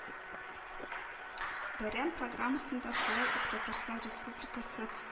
Бәйрәм программасында шулай ук Татарстан Республикасы